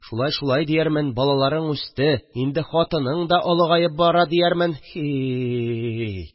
Шулай, шулай диярмен, балаларың үсте, инде хатының да олыгаеп бара диярмен, һи-и-и